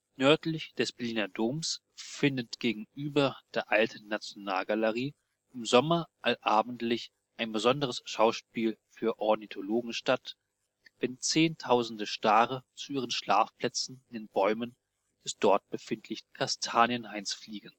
Nördlich des Berliner Doms findet gegenüber der Alten Nationalgalerie im Sommer allabendlich ein besonderes Schauspiel für Ornithologen statt, wenn Zehntausende Stare zu ihren Schlafplätzen in den Bäumen des dort befindlichen Kastanienhains fliegen